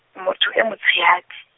motho e motshehadi.